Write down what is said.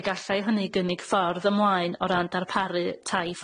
y gallai hynny gynnig ffordd ymlaen o ran darparu tai